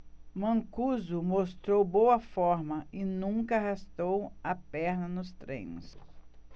mancuso mostrou boa forma e nunca arrastou a perna nos treinos